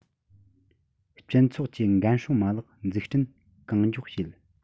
སྤྱི ཚོགས ཀྱི འགན སྲུང མ ལག འཛུགས སྐྲུན གང མགྱོགས བྱེད